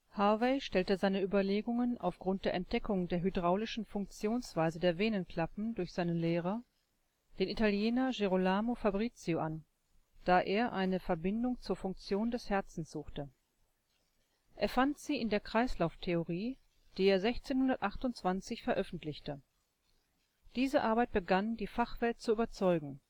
Harvey stellte seine Überlegungen aufgrund der Entdeckung der hydraulischen Funktionsweise der Venenklappen durch seinen Lehrer, den Italiener Girolamo Fabrizio an, da er eine Verbindung zur Funktion des Herzens suchte. Er fand sie in der Kreislauftheorie, die er 1628 veröffentlichte. Diese Arbeit begann, die Fachwelt zu überzeugen